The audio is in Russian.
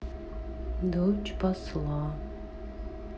дочь посла